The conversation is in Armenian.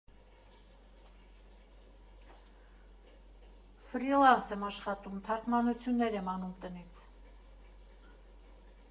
Ֆրիլանս եմ աշխատում՝ թարգմանություններ եմ անում տնից։